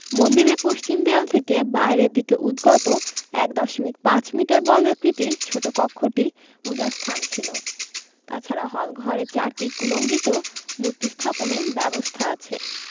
মন্দিরের পশ্চিম দেয়াল থেকে বাইরের দিকে উদগত ১ দশমিক ৫ মিটার বর্গাকৃতির ছোট কক্ষটি পূজার স্থান ছিল তাছাড়া হলঘরের চারটি কুলুঙ্গিতেও মূর্তি স্থাপনের ব্যবস্থা আছে